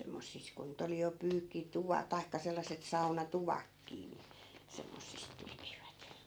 semmoisissa kun nyt oli jo - tai sellaiset saunatuvatkin niin semmoisissa tekivät